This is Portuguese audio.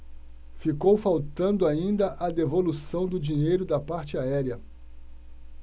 ficou faltando ainda a devolução do dinheiro da parte aérea